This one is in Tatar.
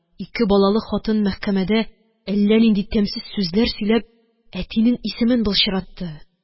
Ике балалы хатын, мәхкәмәдә әллә нинди тәмсез сүзләр сөйләп, әтинең исемен былчыратты.